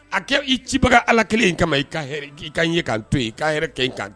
A kɛ i cibaga ala kelen in kama i ka' ka ɲɛ k'a to yen ka kɛ'